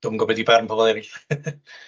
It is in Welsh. Dwi'm yn gwybod be di barn pobl erill.